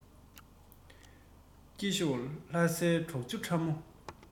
སྐྱིད ཤོད ལྷ སའི གྲོག ཆུ ཕྲ མོ